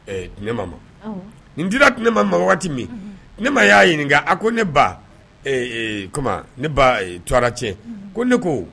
Tuma ne ma n dira tun ne ma waati wagati min ne ma y'a ɲininka a ko ne ba ne torara tiɲɛ ko ne ko